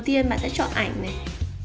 đầu tiên bạn sẽ chọn ảnh